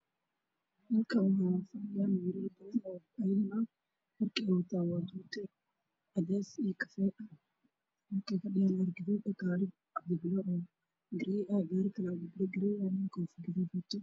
Halkaan waxaa fafadhiyaan wiilal badan oo ciidan ah dhargay wataan waa tuute cadays iyo kafay ah halkay fadhiyaana waa gaduud iyo jaalle gaari cabdi bile ah garay ah gaari kale cabdi bile ah garay ah nin koofi gaduud wato.